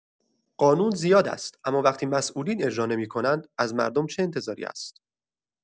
قانون زیاد است، اما وقتی مسئولین اجرا نمی‌کنند، از مردم چه انتظاری هست؟